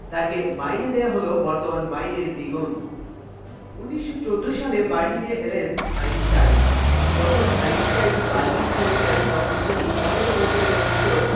তাকে মাইনে দেয়া হলো বর্তমান মাইনের দ্বিগুণ ১৯১৪ সালে বার্লিনে এলেন আইনস্টাইন যখন আইনস্টাইন বার্লিন ছেড়েছিলেন তখন তিনি পনের বছরের কিশোর